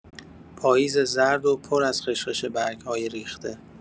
پاییز زرد و پر از خش‌خش برگ‌های ریخته